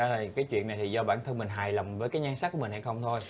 à cái chuyện này thì do bản thân mình hài lòng với cái nhan sắc của mình hay không thôi